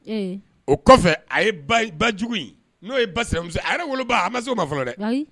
Ee O kɔfɛ, a ye bajugu in n'o ye ba sinamuso ye, a yɛrɛ woloba, a ma se o ma fɔlɔ dɛ, ayi.